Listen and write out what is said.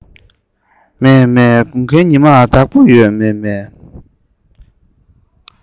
མཱེ མཱེ དགུན ཁའི ཉི མར བདག པོ ཡོད མཱེ མཱེ